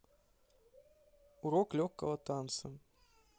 урок легкого танца